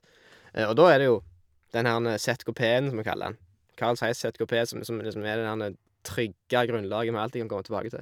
Og da er det jo den herre ZKP-en, som vi kaller han, Carl Zeiss ZKP, som som er liksom er det derre trygge grunnlaget vi alltid kan komme tilbake til.